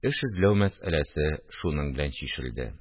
Эш эзләү мәсьәләсе шуның белән чишелде